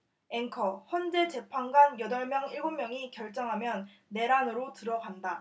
앵커 헌재 재판관 여덟 명 일곱 명이 결정하면 내란으로 들어간다